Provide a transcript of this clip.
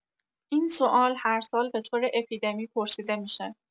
این سوال هر سال به‌طور اپیدمی پرسیده می‌شه